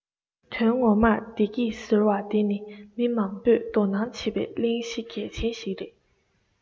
དོན ངོ མར བདེ སྐྱིད ཟེར བ ནི འདི ནི མི མང པོས དོ སྣང བྱེད པའི གླེང གཞི གལ ཆེན ཞིག རེད